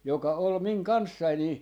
joka oli minun kanssani niin